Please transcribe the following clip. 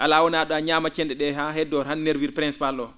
alaa wonaa ?uum han ñaama ce??e ?ee haa heddoo tan nérvure principale oo